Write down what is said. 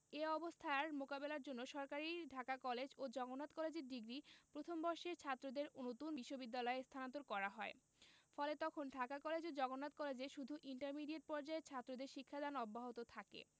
এ অবস্থার মোকাবেলার জন্য সরকারি ঢাকা কলেজ ও জগন্নাথ কলেজের ডিগ্রি প্রথম বর্ষের ছাত্রদের নতুন বিশ্ববিদ্যালয়ে স্থানান্তর করা হয় ফলে তখন ঢাকা কলেজ ও জগন্নাথ কলেজে শুধু ইন্টারমিডিয়েট পর্যায়ের ছাত্রদের শিক্ষাদান অব্যাহত থাকে